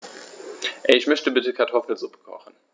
Ich möchte bitte Kartoffelsuppe kochen.